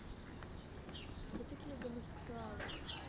кто такие гомосексуалы